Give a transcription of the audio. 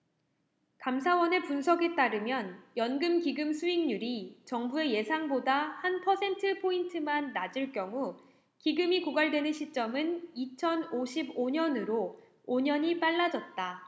감사원의 분석에 따르면 연금기금수익률이 정부의 예상보다 한 퍼센트포인트만 낮을 경우 기금이 고갈되는 시점은 이천 오십 오 년으로 오 년이 빨라졌다